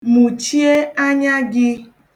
Muchie anya gị.